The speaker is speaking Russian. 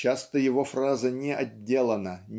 Часто его фраза не отделана